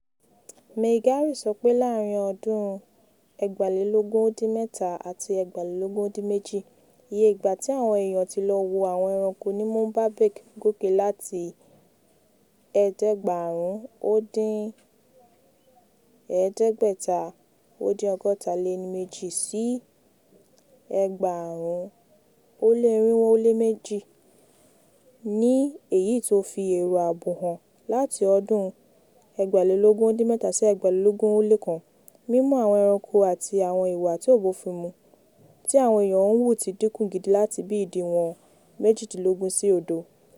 Meigari sọ pé láàárín ọdún 2017 àti 2018, iye ìgbà tí àwọn èèyàn ti lọ wo àwọn ẹranko ní Boumba Bek gòkè láti 8,562 sí 10,402, ní èyí tó fi èrò ààbò hàn: Láti ọdún 2017 sí 2021, mímú àwọn ẹranko àti àwọn ìwà tí ò bófinmu tí àwọn èèyàn ń hù ti dínkù gidi láti bí idíwọ̀n 18 sí 0.